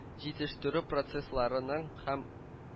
Җитештерү процессларының һәм